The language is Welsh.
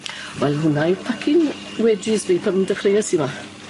Wel hwnna yw pacin' wages fi pan dechreues i 'ma.